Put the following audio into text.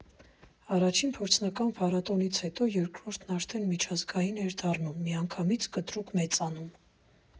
Առաջին փորձնական փառատոնից հետո երկրորդը արդեն միջազգային էր դառնում, միանգամից կտրուկ մեծանում։